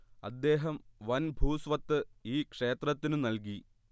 അദ്ദേഹം വൻ ഭൂസ്വത്ത് ഈ ക്ഷേത്രത്തിനു നൽകി